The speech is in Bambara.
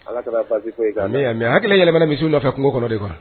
Ala ka na basi fo yi k'an na n hakili la i yɛlɛma na misiw nɔfɛ kungo kɔnɔ de